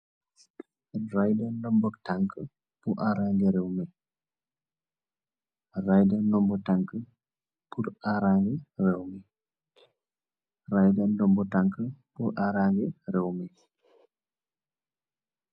Ridaa ndumbo tankk por araage Rewmi, ridaa ndumbo tankk por araage rewmi, radaa ndumbo tankk por araage rewmi